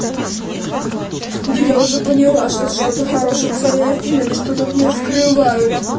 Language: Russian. да я уже поняла что то хорошее цоя и афина они что то от меня скрывают